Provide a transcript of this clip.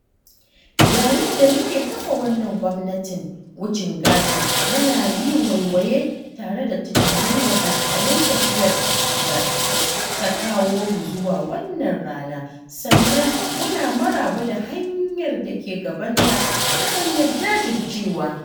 Yayin da muke kafa wannan gwamnatin wucin gadi, muna yi waiwaye tare da tunanin wahalhalun tafiyar da ta kawo mu zuwa wannan rana, sannan muna maraba da hanyar da ke gabanta ta hanyar jajircewa.